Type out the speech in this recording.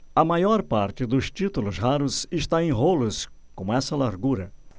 a maior parte dos títulos raros está em rolos com essa largura